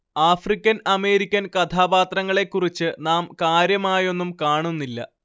African American കഥാപാത്രങ്ങളെക്കുറിച്ച് നാം കാര്യമായൊന്നും കാണുന്നില്ല